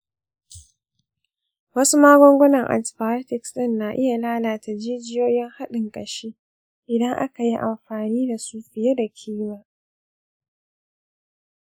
wasu magungunan antibiotics ɗin na iya lalata jijiyoyin haɗin ƙashi idan aka yi amfani da su fiye da ƙima.